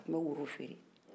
a tun bɛ woro feere